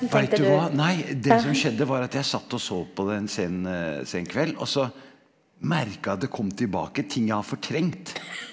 veit du hva, nei det som skjedde var at jeg satt og så på den scenen en sen kveld også merka jeg at det kom tilbake ting jeg har fortrengt.